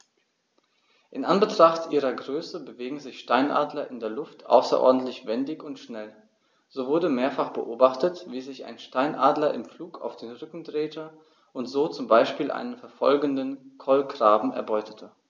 In Anbetracht ihrer Größe bewegen sich Steinadler in der Luft außerordentlich wendig und schnell, so wurde mehrfach beobachtet, wie sich ein Steinadler im Flug auf den Rücken drehte und so zum Beispiel einen verfolgenden Kolkraben erbeutete.